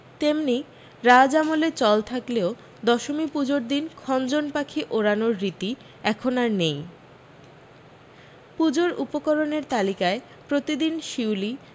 তেমনি রাজ আমলে চল থাকলেও দশমী পূজোর দিন খঞ্জন পাখি ওড়ানোর রীতি এখন আর নেই পূজোর উপকরণের তালিকায় প্রতিদিন শিউলি